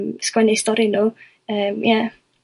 yym 'sgwennu stori n'w yym ia.